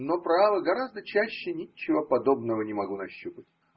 но, право, гораздо чаще ничего подобного не могу нащупать.